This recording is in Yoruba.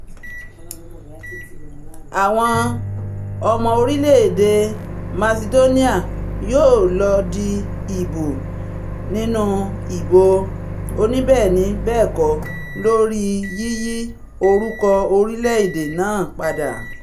Àwọn ọmọ orílẹ̀-èdè Masidóníà yóò lọ di ìbò nínú ìbò oníbẹẹni-bẹẹkọ lóri yíyí orúkọ orílẹ̀-èdè náà padà.